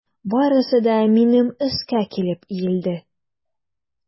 Барысы да минем өскә килеп иелде.